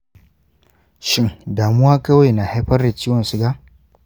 shin damuwa kawai na haifar da ciwon suga?